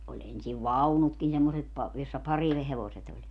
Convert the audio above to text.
oli ensin vaunutkin semmoiset - jossa parihevoset oli